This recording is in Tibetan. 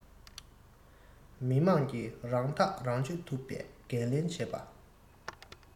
མི དམངས ཀྱིས རང ཐག རང གཅོད ཐུབ པའི འགན ལེན བྱེད པ